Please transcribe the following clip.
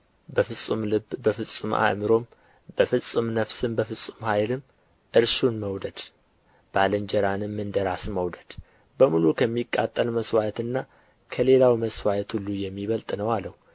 በፍጹም ልብ በፍጹም አእምሮም በፍጹም ነፍስም በፍጹም ኃይልም እርሱን መውደድ ባልንጀራንም እንደ ራስ መውደድ በሙሉ ከሚቃጠል መሥዋዕትና ከሌላው መሥዋዕት ሁሉ የሚበልጥ ነው አለው